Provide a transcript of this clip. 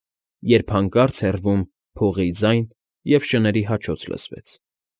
Երբ հանկարծ հեռվում փողի ձայն և շների հաչոց լսվեց։